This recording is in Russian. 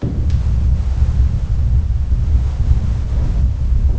я делаю вдох песня